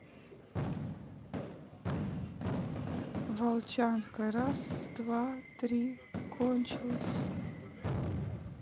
волчанка раз два три кончилась